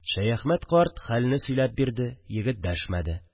Шәяхмәт карт хәлне сөйләп бирде, егет дәшмәде